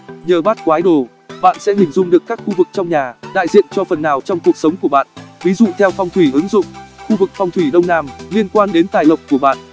nhờ bát quái đồ bạn sẽ hình dung được các khu vực trong nhà đại diện cho phần nào trong cuộc sống của bạn ví dụ theo phong thủy ứng dụng khu vực phong thủy đông nam liên quan đến tài lộc của bạn